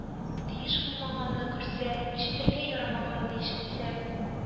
Тиеш булмаганны күрсә, ишетергә ярамаганны ишетсә,